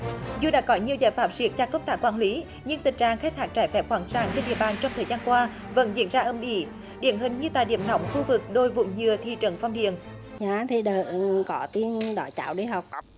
dù đã có nhiều giải pháp siết chặt công tác quản lý nhưng tình trạng khai thác trái phép khoáng sản trên địa bàn trong thời gian qua vẫn diễn ra âm ỉ điển hình như tại điểm nóng khu vực đôi vụn dừa thị trấn phong điền giá thịt lợn có tiên đỡ cháu đi học